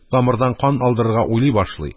Тамырдан кан алдырырга уйлый башлый,